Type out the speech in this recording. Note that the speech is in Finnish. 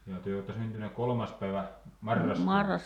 ja te olette syntynyt kolmas päivä marraskuuta